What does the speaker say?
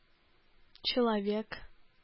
Человек